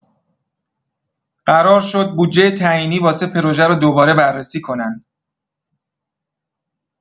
قرار شد بودجه تعیینی واسه پروژه رو دوباره بررسی کنن.